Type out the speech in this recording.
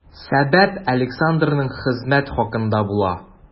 Сәбәп Александрның хезмәт хакында була.